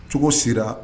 Cogo sera